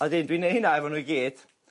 A 'dyn dwi'n neu' hynna efo n'w i gyd,